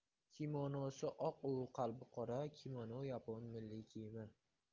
kimonosi oq u qalbi qora kimono yapon milliy kiyimi